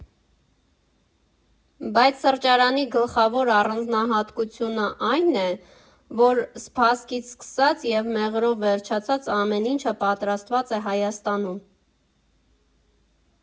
Բայց սրճարանի գլխավոր առանձնահատկությունն այն է, որ սպասքից սկսած և մեղրով վերջացրած, ամեն ինչը պատրաստված է Հայաստանում։